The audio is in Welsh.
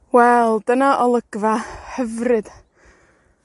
Wel, dyna olygfa hyfryd.